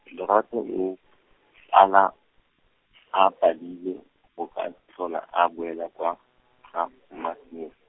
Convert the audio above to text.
Lorato a, pala, a padile, go ka tlhola a boela kwa, ga, mma- Smith.